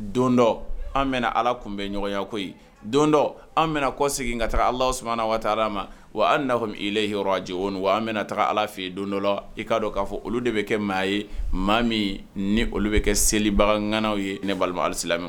Don dɔ an bɛna ala kun bɛ ɲɔgɔnya ko don dɔ an bɛna kɔ segin ka taa alasumana waati ala ma wa hali'a fɔ'jɛ o wa an bɛna taa ala fɛye don dɔ i kaa dɔn k'a fɔ olu de bɛ kɛ maa ye maa min ni olu bɛ kɛ seli bagangana ye ne balima alisi